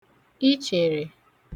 ichèrè